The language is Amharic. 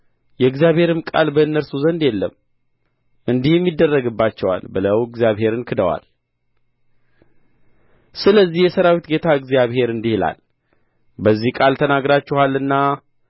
የእግዚአብሔርም ቃል በእነርሱ ዘንድ የለም እንዲህም ይደረግባቸዋል ብለው እግዚአብሔርን ክደዋል ስለዚህም የሠራዊት ጌታ እግዚአብሔር እንዲህ ይላል በዚህ ቃል ተናግራችኋልና